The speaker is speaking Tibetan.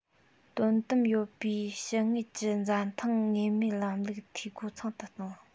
དོ དམ ཡོད པའི ཕྱི དངུལ གྱི འཛའ ཐང ངེས མེད ལམ ལུགས འཐུས སྒོ ཚང དུ བཏང